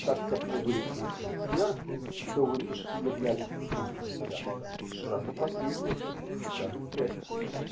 так как мы были очень усердны, то выпуски являлись очень часто -- раза по три в месяц, даже чаще.